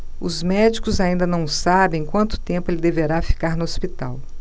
os médicos ainda não sabem quanto tempo ele deverá ficar no hospital